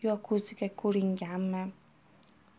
yo ko'ziga ko'ringanmi